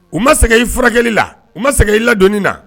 U ma sɛgɛn i furakɛli la u ma sɛgɛn i ladoni na